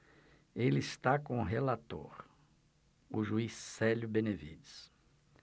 ele está com o relator o juiz célio benevides